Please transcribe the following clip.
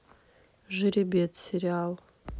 жеребец сериал